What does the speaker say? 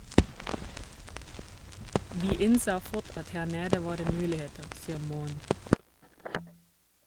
Vi innså fort at her nede var det muligheter, sier Moen.